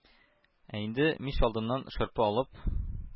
Ә инде мич алдыннан шырпы алып